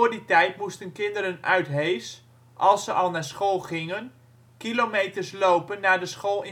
die tijd moesten kinderen uit Hees, als ze al naar school gingen, kilometers lopen naar de school